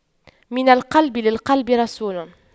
من القلب للقلب رسول